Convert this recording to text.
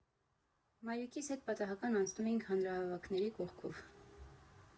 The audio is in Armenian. Մայրիկիս հետ պատահական անցնում էինք հանրահավաքների կողքով։